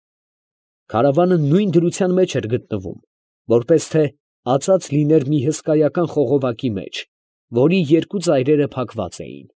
Քարավանը նո՛ւյն դրության մեջ էր գտնվում, որպես թե ածած լիներ մի հսկայական խողովակի մեջ, որի երկու ծայրերը փակված էին։